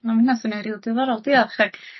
Ma' wnna swnio rîl diddorol diolch ac